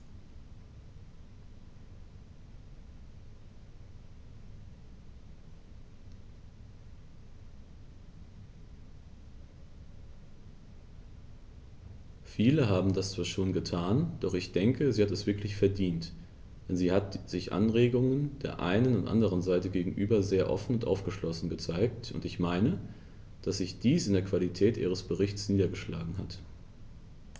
Viele haben das zwar schon getan, doch ich denke, sie hat es wirklich verdient, denn sie hat sich Anregungen der einen und anderen Seite gegenüber sehr offen und aufgeschlossen gezeigt, und ich meine, dass sich dies in der Qualität ihres Berichts niedergeschlagen hat.